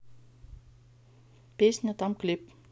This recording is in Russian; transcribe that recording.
песня там клип